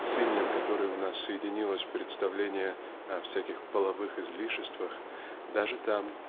с именем которой у нас соединилось представление о всяких половых излишествах даже там